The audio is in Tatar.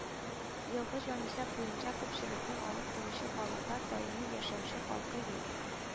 2002 елгы җанисәп буенча күпчелекне алып торучы халыклар: даими яшәүче халкы юк